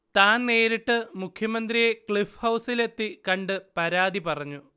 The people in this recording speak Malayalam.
താൻ നേരിട്ട് മുഖ്യമന്ത്രിയെ ക്ളിഫ്ഹൗസിലെത്തി കണ്ട് പരാതി പറഞ്ഞു